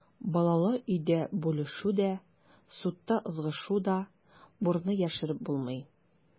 Балалы өйдә бүлешү дә, судта ызгышу да, бурны яшереп булмый.